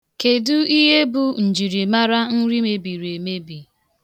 Kedu ihe bụ njirimara nri mebiri emebi?